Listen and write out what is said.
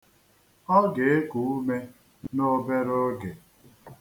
Ọ ga-eku ume n'obere oge.